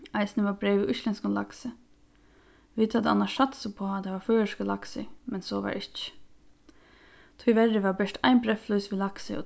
eisini var breyð við íslendskum laksi vit høvdu annars satsað uppá at har var føroyskur laksur men so var ikki tíverri var bert ein breyðflís við laksi og